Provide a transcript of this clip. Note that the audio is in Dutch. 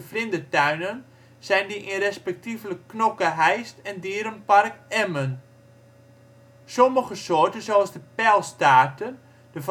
vlindertuinen zijn die in respectievelijk Knokke-Heist en Dierenpark Emmen. Sommige soorten zoals de pijlstaarten (familie